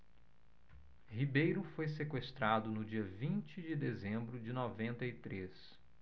ribeiro foi sequestrado no dia vinte de dezembro de noventa e três